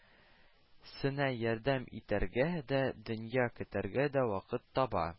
Сенә ярдәм итәргә дә, дөнья көтәргә дә вакыт таба